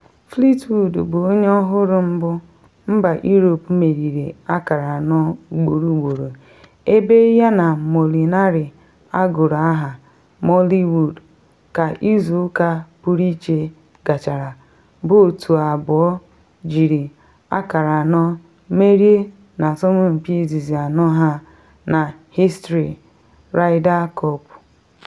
Fleetwood bụ onye ọhụrụ mbụ mba Europe meriri akara anọ ugboro ugboro ebe ya na Molinari, agụrụ aha “Molliwood” ka izu ụka pụrụ iche gachara bụ otu abụọ jiri akara anọ merie na asompi izizi anọ ha na hịstrị Ryder Cup.